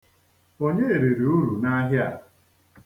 Onye riri uru n'ahịa?